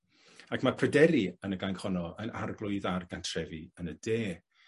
Ac ma' Pryderi yn y gainc honno yn arglwydd ar gantrefi yn y de.